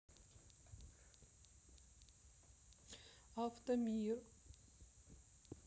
авто мир